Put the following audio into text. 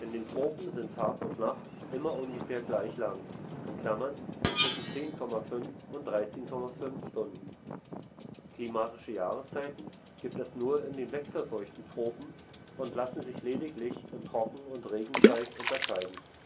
den Tropen sind Tag und Nacht immer ungefähr gleich lang (zwischen 10,5 und 13,5 Stunden). Klimatische Jahreszeiten gibt es nur in den wechselfeuchten Tropen und lassen sich lediglich in Trocken - und Regenzeit unterscheiden